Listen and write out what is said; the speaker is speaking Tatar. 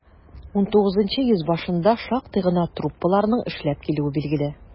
XIX йөз башында шактый гына труппаларның эшләп килүе билгеле.